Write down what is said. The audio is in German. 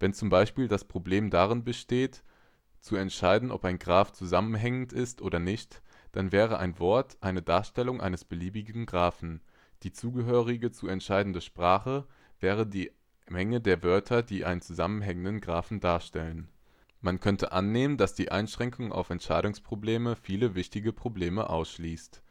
zum Beispiel das Problem darin besteht zu entscheiden, ob ein Graph zusammenhängend ist oder nicht, dann wäre ein Wort eine Darstellung eines beliebigen Graphen. Die zugehörige zu entscheidende Sprache wäre die Menge der Wörter, die einen zusammenhängenden Graphen darstellen. Man könnte annehmen, dass die Einschränkung auf Entscheidungsprobleme viele wichtige Probleme ausschließt